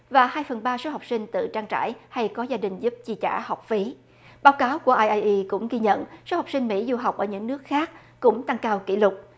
và hai phần ba số học sinh tự trang trải hay có gia đình giúp chi trả học phí báo cáo của ai ai y cũng ghi nhận cho học sinh mỹ du học ở những nước khác cũng tăng cao kỷ lục